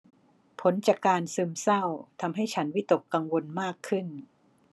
ผลจากการซึมเศร้าทำให้ฉันวิตกกังวลมากขึ้น